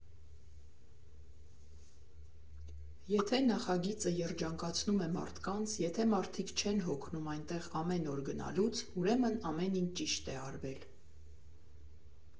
Եթե նախագիծը երջանկացնում է մարդկանց, եթե մարդիկ չեն հոգնում այնտեղ ամեն օր գնալուց, ուրեմն ամեն ինչ ճիշտ է արվել։